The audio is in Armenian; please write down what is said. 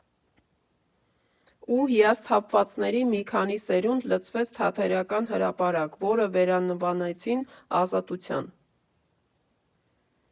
Ու հիասթափվածների մի քանի սերունդ լցվեց Թատերական հրապարակ, որը վերանվանեցին Ազատության։